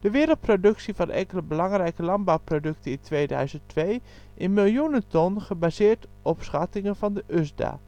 wereldproductie van enkele belangrijke landbouwproducten in 2002, in miljoenen ton, gebaseerd op schattingen van de USDA